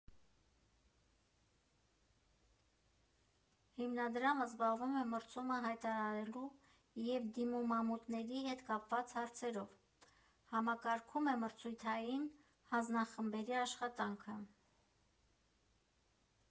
Հիմնադրամը զբաղվում է մրցույթը հայտարարելու և դիմումատուների հետ կապված հարցերով, համակարգում է մրցութային հաձնախմբերի աշխատանքը։